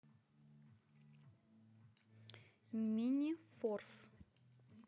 мини форс